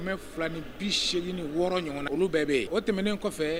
Fila ni bi se ni wɔɔrɔ ɲɔgɔn olu bɛɛ bɛ yen o tɛmɛnen kɔfɛ